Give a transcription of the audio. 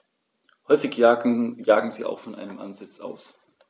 Häufig jagen sie auch von einem Ansitz aus.